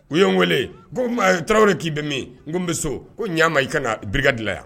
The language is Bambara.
U y ye n wele ko tarawelew k'i bɛ min n ko n bɛ so ko ɲa ma i ka ka bi dilan yan